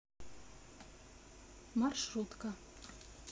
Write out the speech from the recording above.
маршрутка